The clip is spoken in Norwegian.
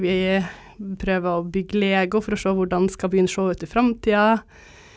vi prøver å bygge Lego for å se hvordan skal byen se ut i framtida.